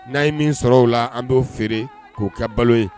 N'a ye min sɔrɔ o la an b'o feere k'o kɛ balo ye.